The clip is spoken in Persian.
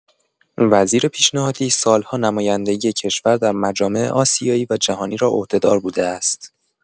وزیر پیشنهادی سال‌ها نمایندگی کشور در مجامع آسیایی و جهانی را عهده‌دار بوده است.